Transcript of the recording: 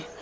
ii